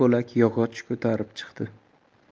bo'lak yog'och ko'tarib chiqdi